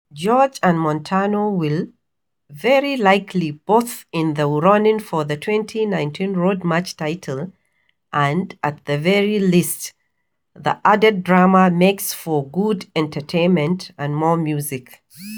George and Montano will, very likely, both in the running for the 2019 Road March title and at the very least, the added drama makes for good entertainment and more music.